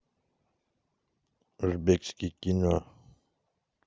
узбекский кино